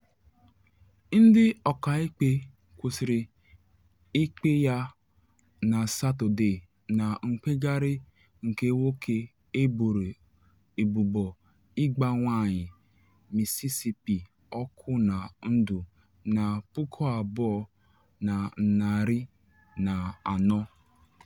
Ndị ọkaikpe kwụsịrị ikpe ya na Satọde na mkpegharị nke nwoke eboro ebubo ịgba nwanyị Mississipi ọkụ na ndụ na 2014.